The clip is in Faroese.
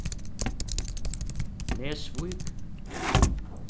nesvík